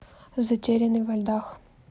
затерянный во льдах